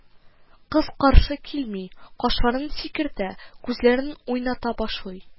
Кыз каршы килми, кашларын сикертә, күзләрен уйната башлый